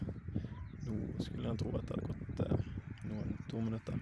Nå skulle en tro at det hadde gått noen to minutter.